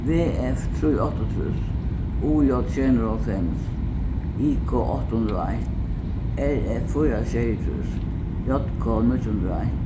v f trý áttaogtrýss u j sjey hundrað og hálvfems i k átta hundrað og eitt r f fýra sjeyogtrýss j k níggju hundrað og eitt